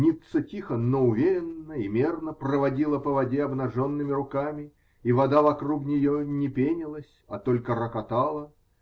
Ницца тихо, но уверенно и мерно проводила по воде обнаженными руками, и вода вокруг нее не пенилась, а только рокотала.